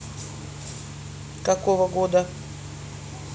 какого года